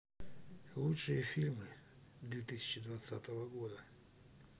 лучшие фильмы две тысячи двадцатого года